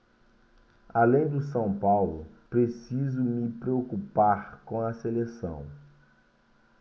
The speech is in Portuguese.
além do são paulo preciso me preocupar com a seleção